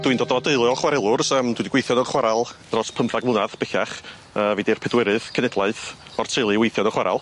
Dwi'n dod o deuluol chwarelwr so yym dwi 'di gweithio yn y chwaral dros pymthag mlynadd bellach yy fi 'di'r pedwerydd cenedlaeth o'r teulu i weithio yn y chwaral.